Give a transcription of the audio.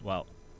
waaw